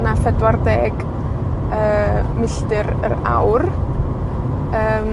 na phedwar deg yy, milltir yr awr. Yym.